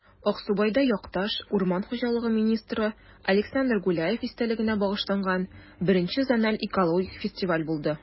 Аксубайда якташ, урман хуҗалыгы министры Александр Гуляев истәлегенә багышланган I зональ экологик фестиваль булды